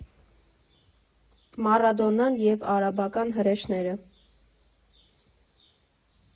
Մարադոնան և արաբական հրեշները։